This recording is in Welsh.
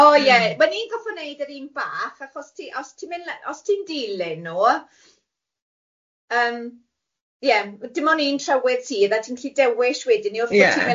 O ie, ma ni'n gorfod wneud yr un bach achos ti os ti'n mynd le- os ti'n dilyn nw yym, ie dim ond un trawedd sydd a ti'n gallu dewish wedyn i wrth i ti mynd lan... Ie.